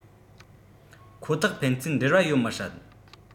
ཁོ ཐག ཕན ཚུན འབྲེལ བ ཡོད མི སྲིད